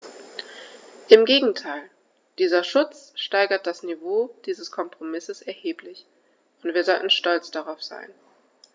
Im Gegenteil: Dieser Schutz steigert das Niveau dieses Kompromisses erheblich, und wir sollten stolz darauf sein.